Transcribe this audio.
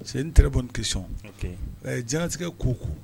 Se tɛ bɔ kisɔn ɛɛ jtigɛgɛ ko kun